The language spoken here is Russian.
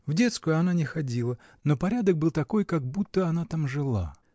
В детскую она не ходила, но порядок был такой, как будто она там жила.